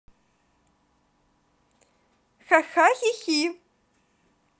хахахихи